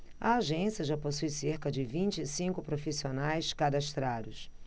a agência já possui cerca de vinte e cinco profissionais cadastrados